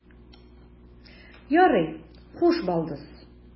Ярый, хуш, балдыз.